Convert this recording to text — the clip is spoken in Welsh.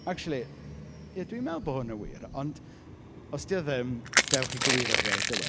Acshyli ie dwi'n meddwl bo' hwn yn wir, ond os dio ddim dewch i gywiro fi ar y diwedd.